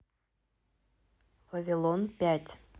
вавилон пять